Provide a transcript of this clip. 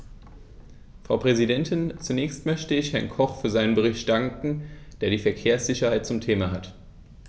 Frau Präsidentin, zunächst möchte ich Herrn Koch für seinen Bericht danken, der die Verkehrssicherheit zum Thema hat.